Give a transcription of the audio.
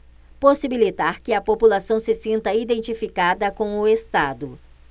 possibilitar que a população se sinta identificada com o estado